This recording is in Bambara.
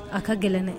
A ka gɛlɛn dɛ